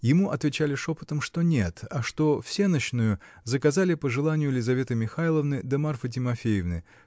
Ему отвечали шепотом, что нет, а что всенощную заказали по желанию Лизаветы Михайловны да Марфы Тимофеевны